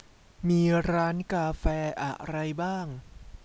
มีร้านกาแฟอะไรบ้าง